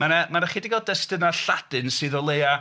Ma' 'na ma' 'na ychydig o destunau Lladin sydd o leia...